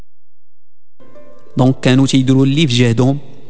ممكن